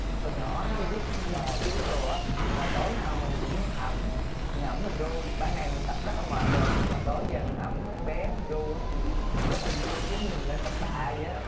hồi nhỏ nó chưa biết bò chưa biết đùa á là tối nào mình cũng ẳm nãy mình ru ban ngày mình tập rất mệt rồi nhưng mà tối về mình ẵm em bé mình ru á thì mình rất vui giống như mình đang tập tạ dậy đó